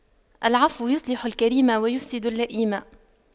العفو يصلح الكريم ويفسد اللئيم